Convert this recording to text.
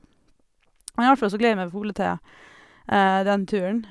Men i hvert fall så gleder jeg meg fole til den turen.